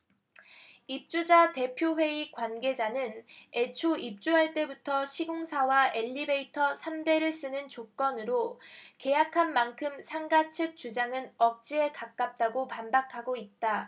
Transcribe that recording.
입주자 대표회의 관계자는 애초 입주할 때부터 시공사와 엘리베이터 삼 대를 쓰는 조건으로 계약한 만큼 상가 측 주장은 억지에 가깝다고 반박하고 있다